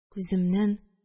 Күземнән